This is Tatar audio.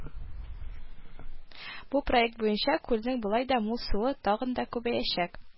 Бу проект буенча күлнең болай да мул суы тагын да күбәячәк